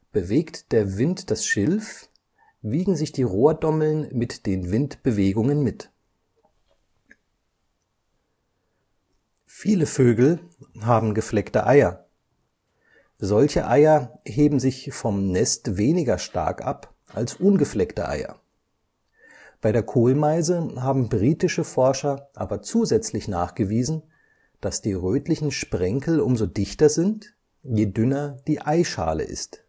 Bewegt der Wind das Schilf, wiegen sich die Rohrdommeln mit den Windbewegungen mit. Viele Vögel haben gefleckte Eier: Solche Eier heben sich vom Nest weniger stark ab als ungefleckte Eier. Bei der Kohlmeise haben britische Forscher aber zusätzlich nachgewiesen, dass die rötlichen Sprenkel umso dichter sind, je dünner die Eischale ist